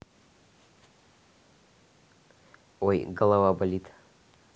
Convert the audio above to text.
ой голова болит